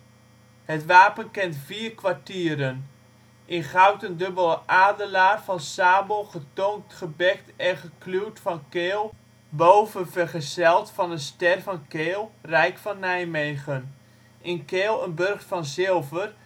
Het wapen kent vier ‘kwartieren’: In goud een dubbele adelaar van sabel, getongd, gebekt en gekluwd van keel, boven vergezeld van een ster van keel (Rijk van Nijmegen). In keel een burcht van zilver